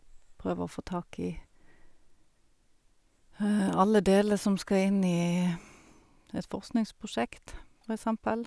Prøve å få tak i alle deler som skal inn i et forskningsprosjekt, for eksempel.